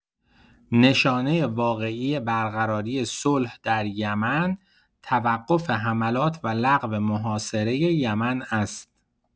نشانه واقعی برقراری صلح در یمن توقف حملات و لغو محاصره یمن است.